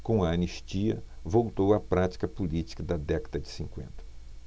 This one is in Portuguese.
com a anistia voltou a prática política da década de cinquenta